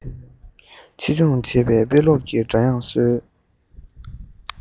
ཕྱི སྦྱོང བྱེད པའི དཔེ ཀློག གི སྒྲ དབྱངས གསལ